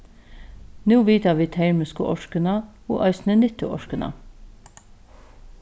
nú vita vit termisku orkuna og eisini nyttuorkuna